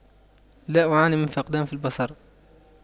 لا أعاني من فقدان في البصر